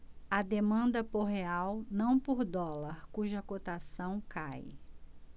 há demanda por real não por dólar cuja cotação cai